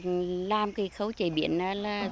làm thì khâu chế biến na là